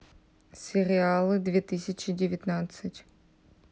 сериалы две тысячи девятнадцать